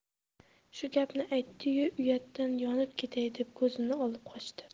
shu gapni aytdiyu uyatdan yonib ketay deb ko'zini olib qochdi